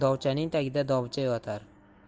dovchaning tagida dovcha yotar